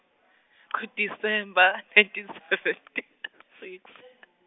ngo- December, nineteen seventy six.